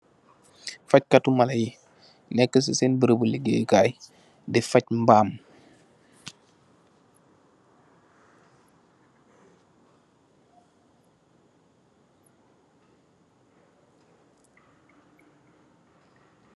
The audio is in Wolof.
Fajj katti malayi, nekka ci sèèn barabu ligeey Kai di fajj mbam.